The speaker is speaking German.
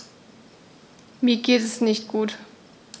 Mir geht es nicht gut.